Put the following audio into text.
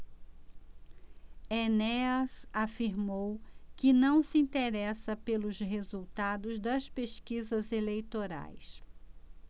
enéas afirmou que não se interessa pelos resultados das pesquisas eleitorais